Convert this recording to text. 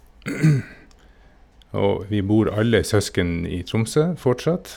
Og vi bor alle søsken i Tromsø, fortsatt.